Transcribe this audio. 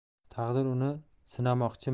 taqdir uni sinamoqchimi